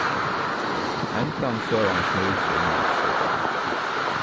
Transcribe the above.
hendan søgan snýr seg um lisu